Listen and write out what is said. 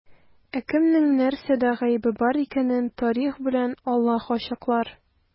Ә кемнең нәрсәдә гаебе бар икәнен тарих белән Аллаһ ачыклар.